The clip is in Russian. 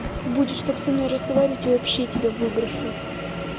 будешь так со мной разговаривать я тебя вообще выброшу